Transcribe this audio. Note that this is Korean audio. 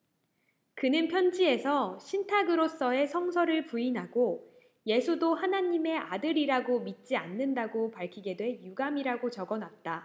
그는 편지에서 신탁으로써의 성서를 부인하고 예수도 하나님의 아들이라고 믿지 않는다고 밝히게 돼 유감이라고 적어놨다